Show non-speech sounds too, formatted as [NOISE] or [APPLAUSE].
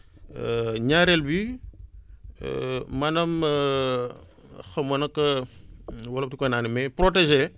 [HESITATION] ñaareel bi [HESITATION] maanaam [HESITATION] xam ma nu ko [BREATH] wolof di ko naan mais protéger